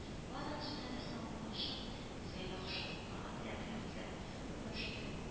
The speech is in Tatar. Барыбыз белән дә саубуллашып, безгә яхшы укырга теләкләр теләп күреште